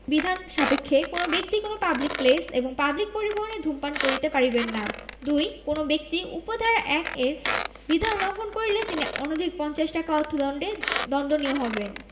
বিধান সাপেক্ষে কোন ব্যক্তি কোন পাবলিক প্লেস এবং পাবলিক পরিবহণে ধূমপান করিতে পারিবেন না ২ কোন ব্যক্তি উপ ধারা ১ এর বিধান লংঘন করিলে তিনি অনধিক পঞ্চাশ টাকা অর্থদন্ডে দন্ডনীয় হবেন